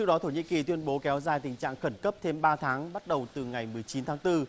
đó thổ nhĩ kỳ tuyên bố kéo dài tình trạng khẩn cấp thêm ba tháng bắt đầu từ ngày mười chín tháng tư